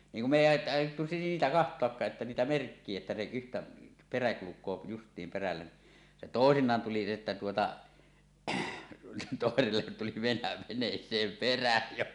niin kun me ei - aiottu siitä katsoakaan että niitä merkkiä että se yhtä perä kulkee justiin perällä niin se toisinaan tuli että tuota toiselle tuli - veneeseen perä jo